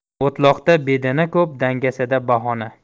o'tloqda bedana ko'p dangasada bahona